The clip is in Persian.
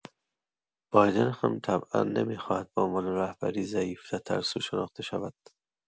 بایدن هم طبعا نمی‌خواهد به عنوان رهبری ضعیف و ترسو شناخته شود.